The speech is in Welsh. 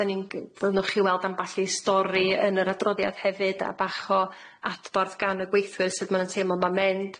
Dan ni'n gy- fel newch chi weld ambell i stori yn yr adroddiad hefyd a bach o adborth gan y gweithwyr sud ma' nw'n teimlo ma'n mynd.